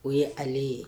O ye ale ye